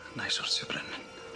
'Nai sortio Brennan.